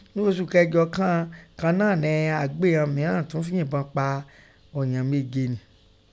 Ńnu osu kẹjọ kàn naa nẹ agbebọn mínrin tun yinbọn pa ọ̀ǹyàn meje ni.